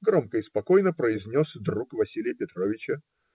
- громко и спокойно произнес друг Василия Петровича.